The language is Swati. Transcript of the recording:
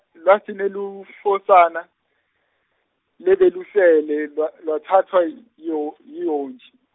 Lwatsi nelufosana, lebelusele lwa lwatsatfwe yihho- yihhontji.